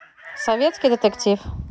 советский детектив